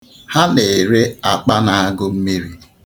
Ha na-ere akpa na-agụ mmiri.